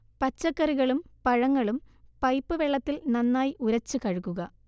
പച്ചക്കറികളും പഴങ്ങളും പൈപ്പ് വെള്ളത്തിൽ നന്നായി ഉരച്ച് കഴുകുക